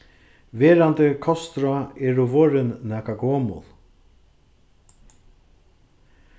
verandi kostráð eru vorðin nakað gomul